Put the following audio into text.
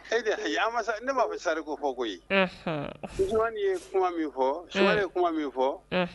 Ayi ne ma bɛ sari ko fɔ ko ye kuma min fɔ su ye kuma min fɔ